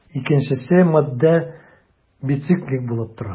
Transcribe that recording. Икенчесе матдә бициклик булып тора.